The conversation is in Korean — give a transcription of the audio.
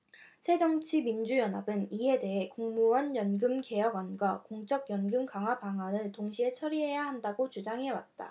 새정치민주연합은 이에 대해 공무원연금 개혁안과 공적연금 강화방안을 동시에 처리해야 한다고 주장해왔다